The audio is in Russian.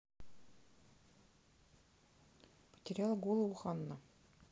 потеряла голову ханна